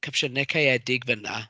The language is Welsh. Capsiynau caeedig fan'na.